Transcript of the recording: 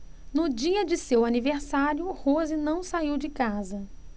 no dia de seu aniversário rose não saiu de casa